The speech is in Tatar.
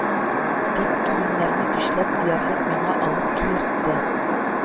– дип, киемнәрне көчләп диярлек миңа алып киертте